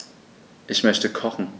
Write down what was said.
Ich möchte kochen.